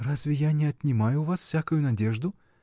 — Разве я не отнимаю у вас всякую надежду?